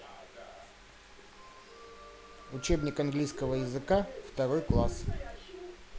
учебник английского языка второй класс